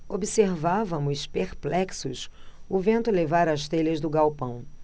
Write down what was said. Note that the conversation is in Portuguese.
observávamos perplexos o vento levar as telhas do galpão